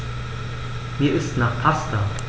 Mir ist nach Pasta.